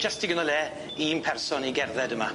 Jys' digon o le i un person i gerdded yma.